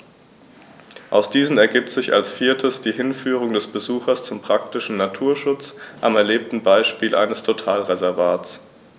Aus diesen ergibt sich als viertes die Hinführung des Besuchers zum praktischen Naturschutz am erlebten Beispiel eines Totalreservats.